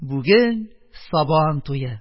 Бүген сабан туе!